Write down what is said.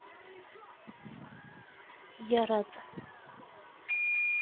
я рад